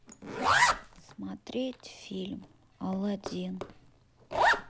смотреть фильм алладин